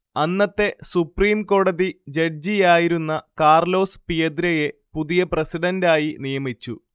അന്നത്തെ സുപ്രീം കോടതി ജഡ്ജിയായിരുന്ന കാർലോസ് പിയദ്രയെ പുതിയ പ്രസിഡന്റായി നിയമിച്ചു